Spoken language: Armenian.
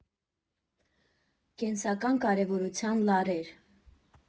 Կենսական կարևորության լարեր։